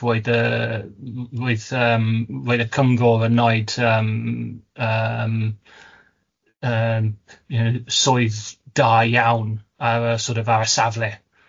Roedd yy roedd yym roedd y cyngor yn wneud yym yym yym, you know, swydd da iawn ar y sor' of ar y safle.